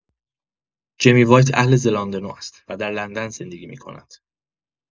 جمی وایت اهل زلاندنو است و در لندن زندگی می‌کند.